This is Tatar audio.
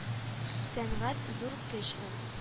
Сәнгать - зур көч ул